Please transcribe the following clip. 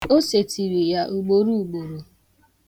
O setịrị ya ugboro ugboro.